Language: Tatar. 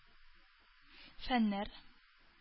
Фәннәр